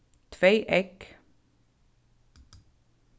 tvey egg